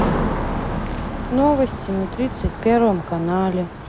новости на тридцать первом канале